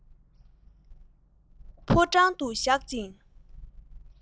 ཕོ བྲང དུ བཞག ཅིང